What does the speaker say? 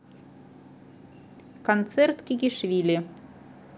концерт кикишвили